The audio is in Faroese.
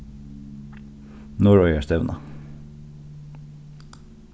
norðoyastevna